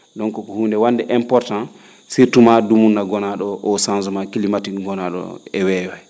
donc ko hunnde wa?nde important surtout dumunna gonaa?o o o chagement clmatique ngonaa?o e weeyo hee